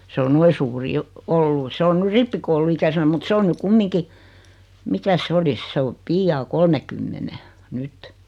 se on noin suuri jo ollut se on nyt rippikouluikäisenä mutta se on nyt kumminkin mikäs se olisi se on pian kolmenkymmenen nyt